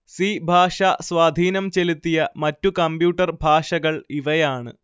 C ഭാഷ സ്വാധീനം ചെലുത്തിയ മറ്റു കമ്പ്യൂട്ടർ ഭാഷകൾ ഇവയാണ്